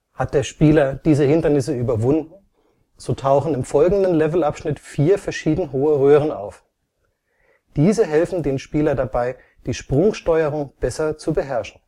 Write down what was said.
Hat der Spieler diese Hindernisse überwunden, so tauchen im folgenden Levelabschnitt vier verschieden hohe Röhren auf. Diese helfen den Spieler dabei, die Sprungsteuerung besser zu beherrschen